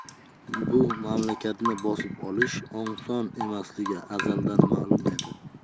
bu mamlakatni bosib olish oson emasligi azaldan ma'lum edi